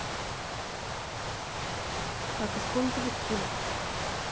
как использовать пульт